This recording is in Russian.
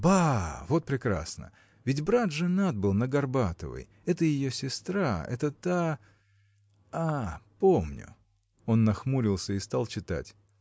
ба, вот прекрасно – ведь брат женат был на Горбатовой это ее сестра, это та. а! помню. Он нахмурился и стал читать.